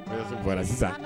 Bɔra sisan